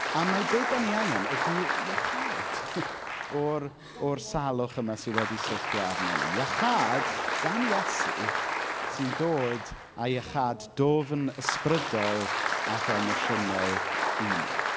A mai be dan ni angen ydy iachâd o'r o'r salwch yma sydd wedi syrthio arno ni. Iachâd gan Iesu sy'n dod a iachâd dwfn ysbrydol ac emosiynol i ni.